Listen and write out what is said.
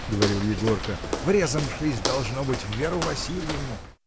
— говорил Егорка, — врезамшись, должно быть, в Веру Васильевну.